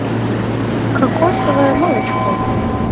кокосовое молочко